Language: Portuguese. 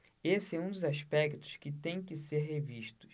esse é um dos aspectos que têm que ser revistos